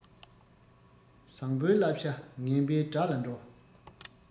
བཟང པོའི བསླབ བྱ ངན པའི དགྲ ལ འགྲོ